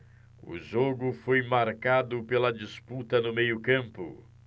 o jogo foi marcado pela disputa no meio campo